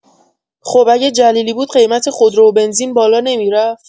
خوب اگه جلیلی بود قیمت خودرو و بنزین بالا نمی‌رفت؟